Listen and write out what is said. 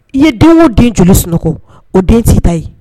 I ye den o den joli sunɔgɔ o den tɛ ta yen